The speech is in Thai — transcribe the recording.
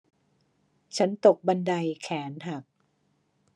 ฉันตกบันไดแขนหัก